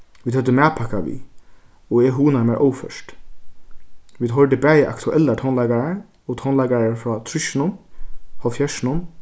vit høvdu matpakka við og eg hugnaði mær óført vit hoyrdu bæði aktuellar tónleikarar og tónleikarar frá trýssunum hálvfjerðsunum